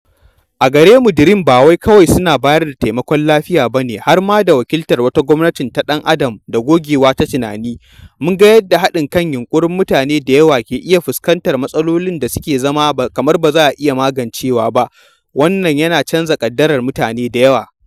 A garemu DREAM ba wai kawai suna bayar da taimakon lafiya ba ne, har ma da wakiltar wata gwaninta ta ɗan adam da gogewa ta tunani: mun ga yadda haɗin kan yunƙurin mutane da yawa ke iya fuskantar matsalolin da suka zama kamar ba za a iya magancewa ba, wannan ya canza ƙaddarar mutane da yawa.